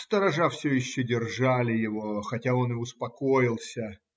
Сторожа все еще держали его, хотя он и успокоился.